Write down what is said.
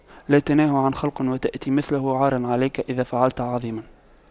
لا تنه عن خلق وتأتي مثله عار عليك إذا فعلت عظيم